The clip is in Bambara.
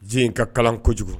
Diɲɛ in ka kalan kojugu